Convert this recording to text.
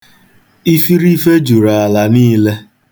Ifirife juru ala niile.